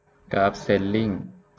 กราฟเชนลิ้ง